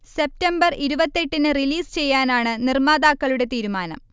September ഇരുപത്തെട്ടിന് release ചെയ്യാനാണ് നിർമ്മാതാക്കളുടെ തീരുമാനം